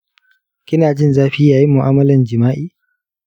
kina jin zafi yayin mu'amalan jima'i